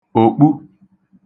òkpu